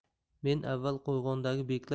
men avval qo'rg'ondagi